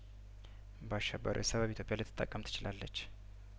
በአሸባሪዎች ሰበብ ኢትዮጵያ ልትጠቀም ትችላለች